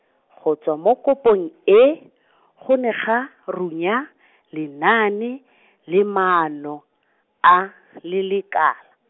go tswa mo kopong e , go ne ga, runya , lenaane , la maano, a le lekala.